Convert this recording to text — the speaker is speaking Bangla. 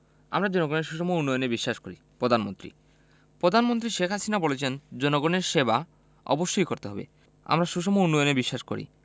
আমরা জনগণের সুষম উন্নয়নে বিশ্বাস করি প্রধানমন্ত্রী প্রধানমন্ত্রী শেখ হাসিনা বলেছেন জনগণের সেবা অবশ্যই করতে হবে আমরা সুষম উন্নয়নে বিশ্বাস করি